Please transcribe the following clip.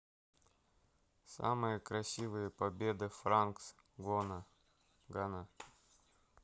самые красивые победы france гана